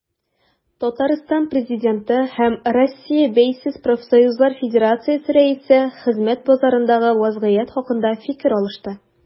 Татарстан Президенты һәм Россия Бәйсез профсоюзлар федерациясе рәисе хезмәт базарындагы вәзгыять хакында фикер алышты.